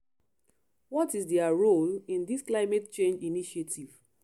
What is their role in this climate change initiative?